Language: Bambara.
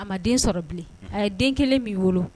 A ma den sɔrɔ bilen a ye den kelen min'i wolo